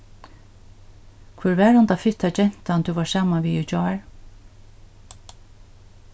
hvør var handa fitta gentan tú vart saman við í gjár